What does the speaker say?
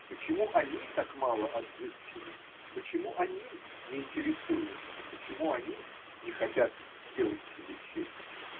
Почему они так мало отзывчивы, почему они не интересуются, почему они не хотят делать себе честь?